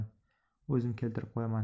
o'zim keltirib qo'yaman